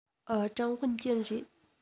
ཀྲང ཝུན ཅུན རེད